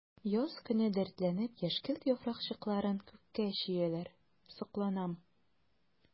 Яз көне дәртләнеп яшькелт яфракчыкларын күккә чөяләр— сокланам.